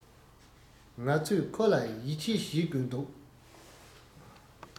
ང ཚོས ཁོ ལ ཡིད ཆེད བྱེད དགོས འདུག